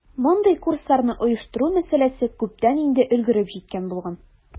Мондый курсларны оештыру мәсьәләсе күптән инде өлгереп җиткән булган.